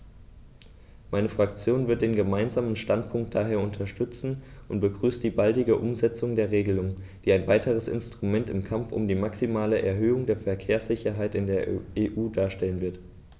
Meine Fraktion wird den Gemeinsamen Standpunkt daher unterstützen und begrüßt die baldige Umsetzung der Regelung, die ein weiteres Instrument im Kampf um die maximale Erhöhung der Verkehrssicherheit in der EU darstellen wird.